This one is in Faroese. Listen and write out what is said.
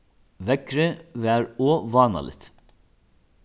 veðrið var ov vánaligt